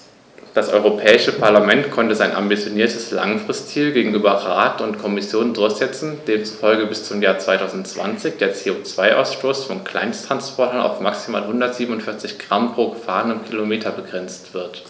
Das Europäische Parlament konnte sein ambitioniertes Langfristziel gegenüber Rat und Kommission durchsetzen, demzufolge bis zum Jahr 2020 der CO2-Ausstoß von Kleinsttransportern auf maximal 147 Gramm pro gefahrenem Kilometer begrenzt wird.